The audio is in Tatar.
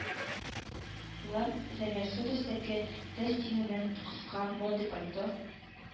Лы, зәңгәрсу төстәге, тез тиңентен кыска, модный пальто,